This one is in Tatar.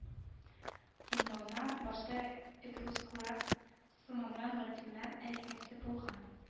Юнона башта этрусклар соңыннан латиннар алиһәсе булган